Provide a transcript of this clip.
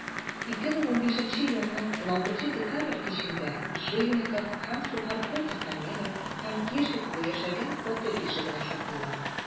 2015 елның 16 декабрь кичендә жильников һәм сухарко тихомиров һәм кешикова яшәгән фатир ишегенә шакыйлар.